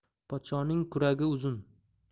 podshoning kuragi uzun